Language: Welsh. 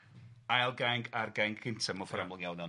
ail gainc a'r gainc cynta, mewn ffor amlwg iawn o'n.